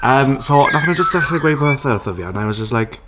Yym so wnaethon nhw jyst dechrau gweud pethau wrtha fi, and I was just like...